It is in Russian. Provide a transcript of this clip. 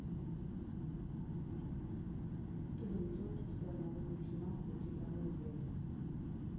ты придет у тебя на выключи нахуй иди домой блядь